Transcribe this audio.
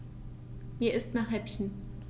Mir ist nach Häppchen.